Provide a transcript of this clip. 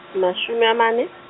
mashome a mane.